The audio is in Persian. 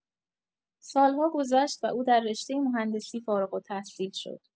سال‌ها گذشت و او در رشتۀ مهندسی فارغ‌التحصیل شد.